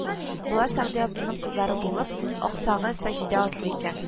Болар Сәгъди абзыйның кызлары булып, аксагы Саҗидә атлы икән